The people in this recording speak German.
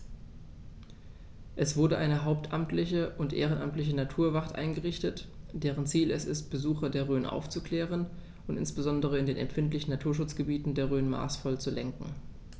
Es wurde eine hauptamtliche und ehrenamtliche Naturwacht eingerichtet, deren Ziel es ist, Besucher der Rhön aufzuklären und insbesondere in den empfindlichen Naturschutzgebieten der Rhön maßvoll zu lenken.